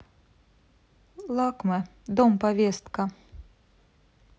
lakme дом повестка